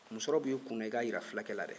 musɔrɔ b'i kun na i k'a yira fulakɛ la dɛ